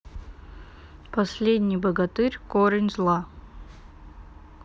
последний богатырь корень зла